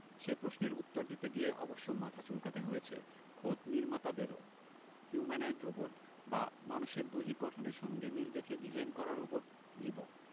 সে প্রশ্নের উত্তর দিতে গিয়ে অবশ্য মাথা চুলকাতে হয়েছে খোদ নির্মাতাদেরও হিউম্যানোয়েড রোবট বা মানুষের দৈহিক গঠনের সঙ্গে মিল রেখে ডিজাইন করা রোবট রিবো